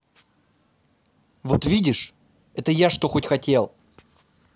вот видишь это я что хоть хотел